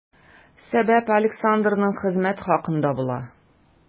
Сәбәп Александрның хезмәт хакында була.